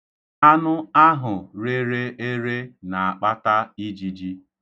Anụ ahụ rere ere na-akpata ijiji.